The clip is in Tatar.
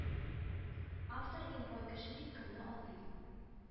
Автор иң бай кеше дип кемне атый